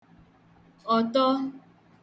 ọ̀tọ